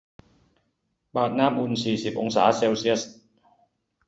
เปิดน้ำอุ่นสี่สิบองศาเซลเซียส